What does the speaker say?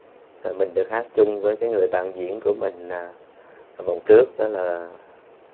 là mình được hát chung với người bạn diễn của mình là vòng trước đó là